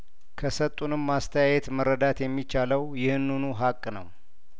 ከሰጡንም አስተያየት መረዳት የሚቻለው ይህንኑ ሀቅ ነው